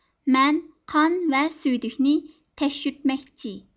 مەن قان ۋە سۈيدۈكنى تەكشۈرتمەكچى